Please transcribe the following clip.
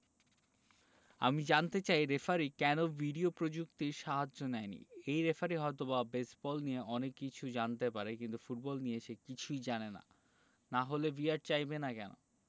আমি জানতে চাই রেফারি কেন ভিডিও প্রযুক্তির সাহায্য নেয়নি এই রেফারি হয়তো বেসবল নিয়ে অনেক কিছু জানতে পারে কিন্তু ফুটবল নিয়ে সে কিছুই জানে না না হলে ভিআর চাইবে না কেন